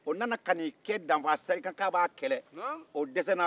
o nana ka n'i kɛ danfaseri kan k'a b'a kɛlɛ o dɛsɛra